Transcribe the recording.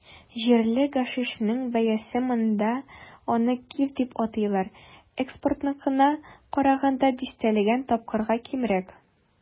Җирле гашишның бәясе - монда аны "киф" дип атыйлар - экспортныкына караганда дистәләгән тапкырга кимрәк.